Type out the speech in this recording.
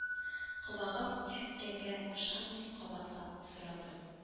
Колагым ишеткәнгә ышанмый кабатлап сорадым: